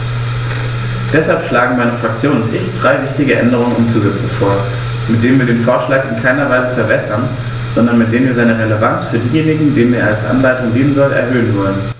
Deshalb schlagen meine Fraktion und ich drei wichtige Änderungen und Zusätze vor, mit denen wir den Vorschlag in keiner Weise verwässern, sondern mit denen wir seine Relevanz für diejenigen, denen er als Anleitung dienen soll, erhöhen wollen.